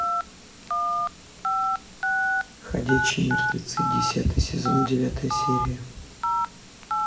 ходячие мертвецы десятый сезон девятая серия